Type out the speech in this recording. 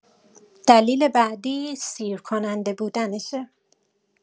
دلیل بعدی، سیرکننده بودنشه.